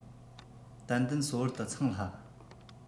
ཏན ཏན སོ བར དུ འཚང སླ